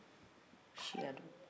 k'e ye tunkara ye e ye siya jumɛn ye